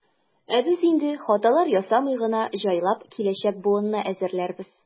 Ә без инде, хаталар ясамый гына, җайлап киләчәк буынны әзерләрбез.